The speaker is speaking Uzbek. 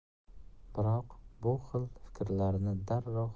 biroq bu xil fikrlarni darrov